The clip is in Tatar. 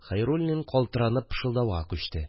– хәйруллин калтыранып пышылдауга күчте